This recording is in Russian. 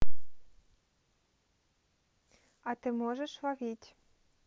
а ты можешь ловить